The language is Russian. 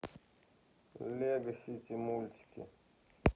лего сити мультики